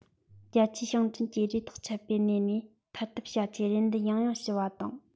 རྒྱ ཆེའི ཞིང བྲན གྱིས རེ ཐག ཆད པའི གནས ནས ཐར ཐབས བྱ ཆེད རེ འདུན ཡང ཡང ཞུ བ དང